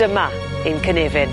Dyma ein cynefyn.